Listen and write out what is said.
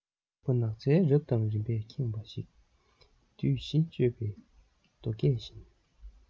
ཤུག པ ནགས ཚལ རབ དང རིམ པས ཁེངས པ ཞིག དུས བཞི གཅོད པའི རྡོ སྐས བཞིན